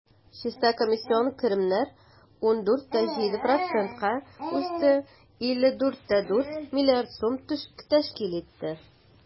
Чиста комиссион керемнәр 14,7 %-ка үсте, 55,4 млрд сум тәшкил итте.